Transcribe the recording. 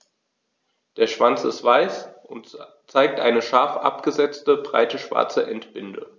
Der Schwanz ist weiß und zeigt eine scharf abgesetzte, breite schwarze Endbinde.